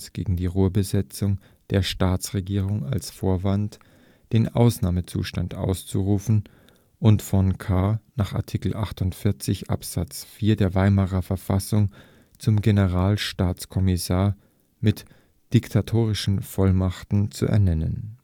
gegen die Ruhrbesetzung der Staatsregierung als Vorwand, den Ausnahmezustand auszurufen und von Kahr nach Artikel 48 Absatz 4 der Weimarer Verfassung zum Generalstaatskommissar mit Diktatorischen Vollmachten zu ernennen